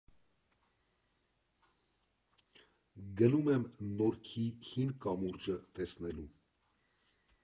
Գնում եմ Նորքի հին կամուրջը տեսնելու։